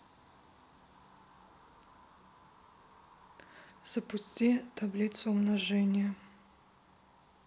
запусти таблицу умножения